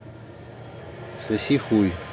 соси хуй